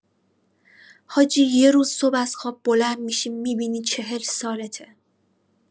حاجی یه روز صبح از خواب بلند می‌شی می‌بینی ۴۰ سالته!